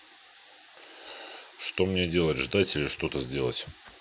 что мне делать ждать или что то сделать